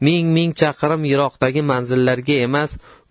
ming ming chaqirim yiroqdagi manzillariga emas